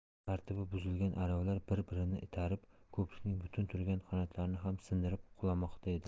tartibi buzilgan aravalar bir birini itarib ko'prikning butun turgan qanotlarini ham sindirib qulamoqda edi